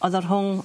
O'dd o rhwng...